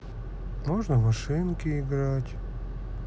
можно машинки играть